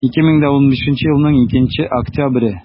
2015 елның 2 октябре